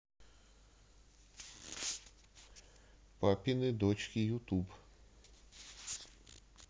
папины дочки ютуб